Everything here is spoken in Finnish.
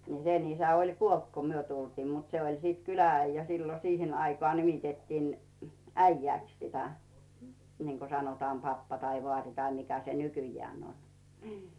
niin sen isä oli kuollut kun me tultiin mutta se oli sitten kylä-äijä silloin siihen aikaan nimitettiin äijäksi sitä niin kuin sanotaan pappa tai vaari tai mikä se nykyään on niin